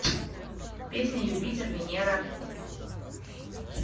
песня юпитер венера